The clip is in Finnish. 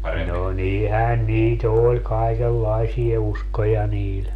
no niinhän niitä oli kaikenlaisia uskoja niillä